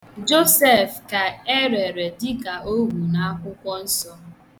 Josef ka erere dịka ohu n' akwụkwọnsọ.